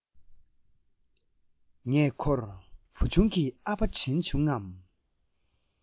ངས ཁོར བུ ཆུང གིས ཨ ཕ དྲན བྱུང ངམ ཞེས དྲིས